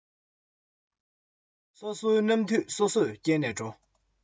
ཨ མའི མཇུག ལ བུ མོ འགྲོ མདོག མེད